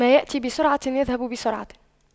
ما يأتي بسرعة يذهب بسرعة